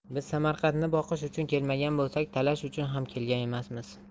biz samarqandni boqish uchun kelmagan bo'lsak talash uchun ham kelgan emasmiz